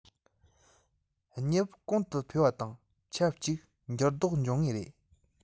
གནས བབ གོང དུ འཕེལ བ དང ཆབས ཅིག འགྱུར ལྡོག འབྱུང ངེས རེད